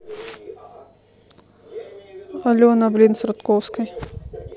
алена блин с рудковской